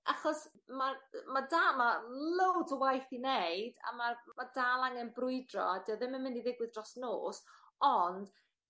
achos ma' d- ma' dal ma' loads o waith i neud a ma' ma' dal angen brwydro a 'di o ddim yn mynd i ddigwydd dros nos ond